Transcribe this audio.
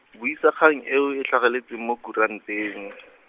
buisa kgang eo e e tlhageletseng mo kuranteng.